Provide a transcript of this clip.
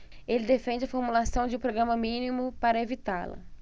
ele defende a formulação de um programa mínimo para evitá-la